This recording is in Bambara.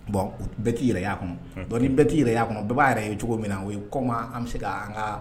Bon u bɛɛ tɛ yɛrɛ y' a kɔnɔ bɛɛ tɛ yɛrɛ a kɔnɔ baba' yɛrɛ ye cogo min na o ye kɔ an bɛ se ka an ka